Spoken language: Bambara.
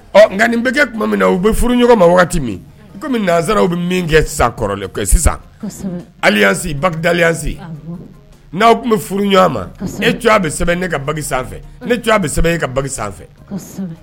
Ɔ ŋa nin be kɛ tuma min na u be furu ɲɔgɔn ma waati min comme nansaraw be min kɛ sa kɔrɔlen ke sisan kɔsɛbɛ alliance bague d'alliance awɔ n'aw tun be furu ɲɔan ma kɔsɛbɛ e tuya be sɛbɛn ne ka bague sanfɛ ne tuya be sɛbɛn e ka bague sanfɛ kɔsɛbɛ